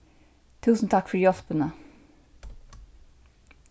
túsund takk fyri hjálpina